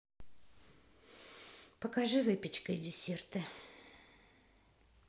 покажи выпечка и десерты